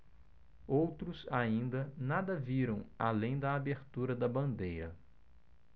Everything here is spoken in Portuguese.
outros ainda nada viram além da abertura da bandeira